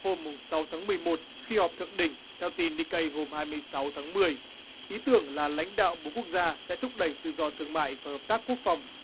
hôm mùng sáu tháng mười một khi họp thượng đỉnh theo tin ních cây hôm hai mươi sáu tháng mười ý tưởng là lãnh đạo bốn quốc gia sẽ thúc đẩy tự do thương mại và hợp tác quốc phòng